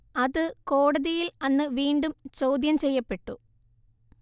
അത് കോടതിയിൽ അന്ന് വീണ്ടും ചോദ്യം ചെയ്യപ്പെട്ടു